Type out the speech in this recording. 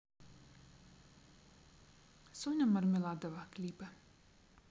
соня мармеладова клипы